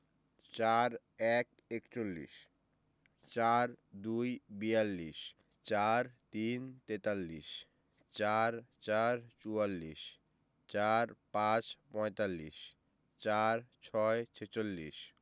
৪১ - একচল্লিশ ৪২ - বিয়াল্লিশ ৪৩ - তেতাল্লিশ ৪৪ – চুয়াল্লিশ ৪৫ - পঁয়তাল্লিশ ৪৬ - ছেচল্লিশ